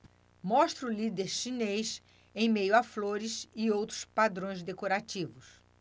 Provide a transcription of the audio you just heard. mostra o líder chinês em meio a flores e outros padrões decorativos